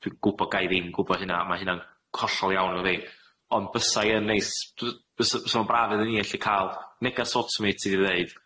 Dwi'n gwbo' ga i ddim gwbo' hynna, a ma' hynna'n c- hollol iawn efo fi. Ond bysa hi yn neis d- fysa fysa fo'n braf iddyn ni ellu ca'l negas automated i ddeud,